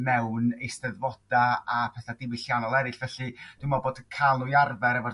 mewn eisteddfoda' a petha' diwylliannol erill. Felly, dwi me'l bo' ca'l n'w i arfer efo'r